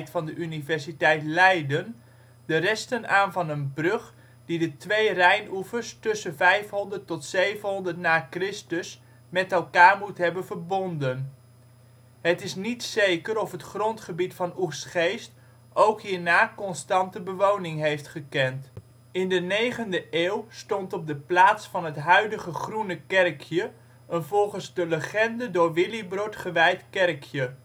van de Universiteit Leiden de resten aan van een brug die de twee Rijnoevers tussen 500 tot 700 na Christus met elkaar moet hebben verbonden. Het is niet zeker of het grondgebied van Oegstgeest ook hierna constante bewoning heeft gekend. In de negende eeuw stond op de plaats van het huidige Groene Kerkje een volgens de legende door Willibrord gewijd kerkje